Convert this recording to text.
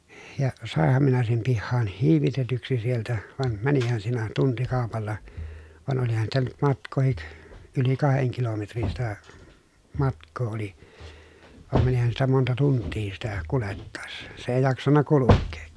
ja sainhan minä sen pihaan hiivitetyksi sieltä vaan menihän siinä tuntikaupalla vaan olihan sitä nyt matkaakin yli kahden kilometrin sitä matkaa oli vaan menihän sitä monta tuntia sitä kuljettaessa se ei jaksanut kulkea